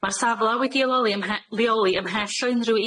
Ma'r safla' wedi ei loli ymhe- leoli ymhell o unrhyw